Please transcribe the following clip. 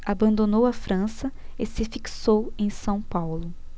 abandonou a frança e se fixou em são paulo